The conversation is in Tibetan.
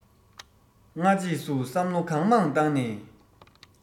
སྔ རྗེས སུ བསམ བློ གང མང བཏང ནས